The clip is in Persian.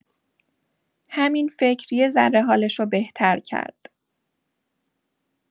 همین فکر یه ذره حالشو بهتر کرد.